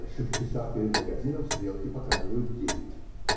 На больших часах перед магазином стрелки показывают девять.